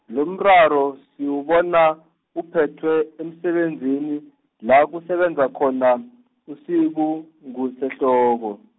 lomraro siwubona uphethwe emsebenzini, la kusebenza khona, uSibungusehloko.